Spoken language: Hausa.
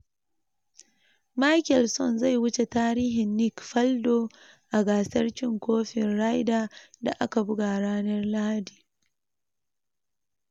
Mickelson zai wuce tarihin Nick Faldo a gasar cin kofin Ryder da aka buga ranar Lahadi.